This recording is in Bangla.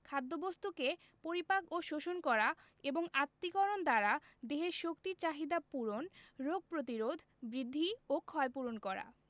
খাদ্যবস্তুকে পরিপাক ও শোষণ করা এবং আত্তীকরণ দ্বারা দেহের শক্তির চাহিদা পূরণ রোগ প্রতিরোধ বৃদ্ধি ও ক্ষয়পূরণ করা